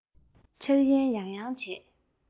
འཆར ཡན ཡང ཡང བྱས